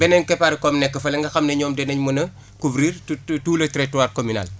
beneen keppaari koom nekk fële nga xam ne ñoom danañ mën a couvrir tous tous tous les térritoires communales